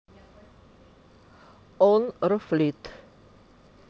он рофлит